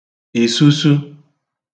ìsusu